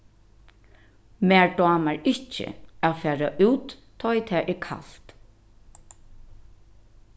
mær dámar ikki at fara út tá ið tað er kalt